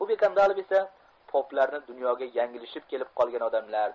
ober kandalov esa poplarni dunyoga yanglishib kelib qolgan odamlar